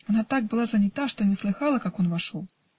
она так была занята, что не слыхала, как он и вошел.